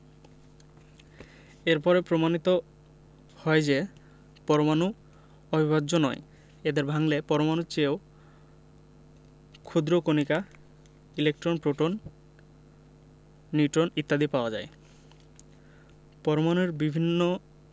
এর পরে প্রমাণিত হয় যে পরমাণু অবিভাজ্য নয় এদের ভাঙলে পরমাণুর চেয়েও ক্ষুদ্র কণিকা ইলেকট্রন প্রোটন নিউট্রন ইত্যাদি পাওয়া যায় পরমাণুর বিভিন্ন